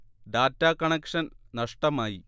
data connection നഷ്ടമായി